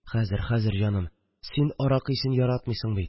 Хәзер, хәзер, җаным, син аракы исен яратмыйсың бит